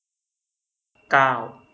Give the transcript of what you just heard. เก้า